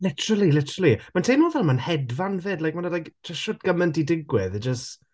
Literally literally. Mae'n teimlo fel mae'n hedfan 'fyd. Like ma' 'na like jyst shwt gymaint 'di a jyst...